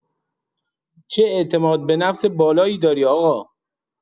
چه اعتماد به نفس بالایی داری آقا